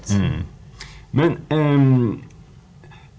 men .